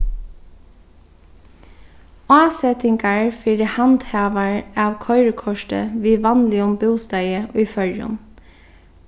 ásetingar fyri handhavar av koyrikorti við vanligum bústaði í føroyum